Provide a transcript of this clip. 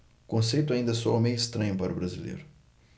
o conceito ainda soa meio estranho para o brasileiro